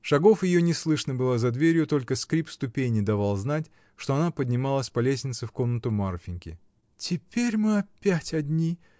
Шагов ее не слышно было за дверью, только скрып ступеней давал знать, что она поднималась по лестнице в комнату Марфиньки. — Теперь мы опять одни!